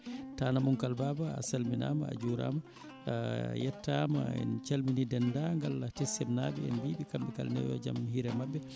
tanam Unkal Baba a salminama a juurama a yettama en calmini dendagal Tessem naaɓe en mbiɓe kamɓe kala yo jaam hiire mabɓe